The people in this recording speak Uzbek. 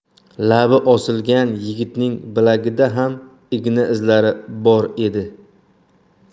labi osilgan yigitning bilagida ham igna izlari bor edi